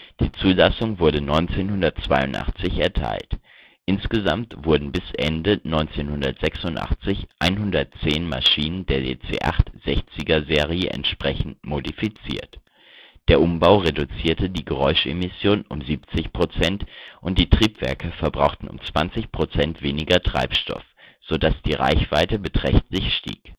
Die Zulassung wurde 1982 erteilt. Insgesamt wurden bis Ende 1986 110 Maschinen der DC-8-60er-Serie entsprechend modifiziert. Der Umbau reduzierte die Geräuschemission um 70 Prozent und die Triebwerke verbrauchten um 20 Prozent weniger Treibstoff, so dass die Reichweite beträchtlich stieg